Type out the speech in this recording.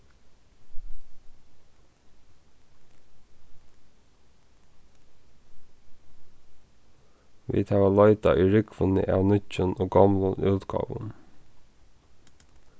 vit hava leitað í rúgvuni av nýggjum og gomlum útgávum